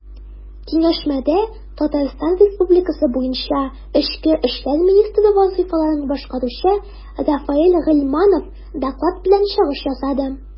Киңәшмәдә ТР буенча эчке эшләр министры вазыйфаларын башкаручы Рафаэль Гыйльманов доклад белән чыгыш ясады.